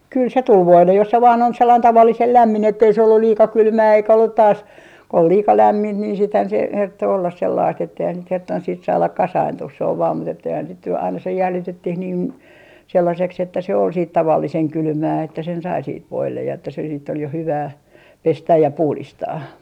kyllä se tuli voille jos se vain on sellainen tavallisen lämmin että ei se ollut liika kylmää eikä ollut taas ollut liika lämmintä niin sittenhän se herttoi olla sellaista että eihän sitä hertonnut siitä saada kasaantumaan se on vain mutta että eihän sitä nyt aina se jäljitettiin niin sellaiseksi että se oli siitä tavallisen kylmää että sen sai siitä voille ja että se sitten oli jo hyvää pestä ja puhdistaa